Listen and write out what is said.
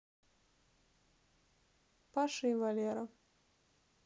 паша и валера